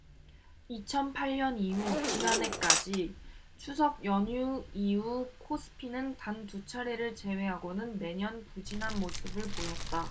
이천 팔 년 이후 지난해까지 추석 연휴 이후 코스피는 단 두 차례를 제외하고는 매년 부진한 모습을 보였다